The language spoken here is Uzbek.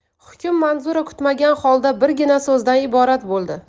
hukm manzura kutmagan holda birgina so'zdan iborat bo'ldi